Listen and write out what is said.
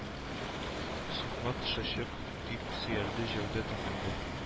Сумга төшәчәк , дип сөялде җәүдәт әфәнде